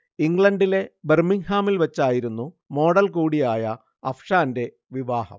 ഇംഗ്ലണ്ടിലെ ബർമിങ്ഹാമിൽ വെച്ചായിരുന്നു മോഡൽ കൂടിയായ അഫ്ഷാന്റെ വിവാഹം